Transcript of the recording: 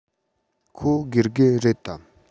ཁོ དགེ རྒན རེད དམ